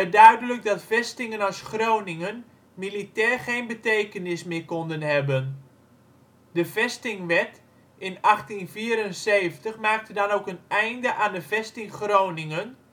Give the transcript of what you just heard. duidelijk dat vestingen als Groningen militair geen betekenis meer konden hebben. De vestingwet in 1874 maakte dan ook een einde aan de Vesting Groningen